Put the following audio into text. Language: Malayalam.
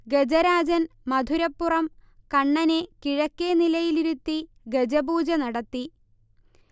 ഗജരാജൻ മധുരപ്പുറം കണ്ണനെ കിഴക്കേ നിലയിലിരുത്തി ഗജപൂജനടത്തി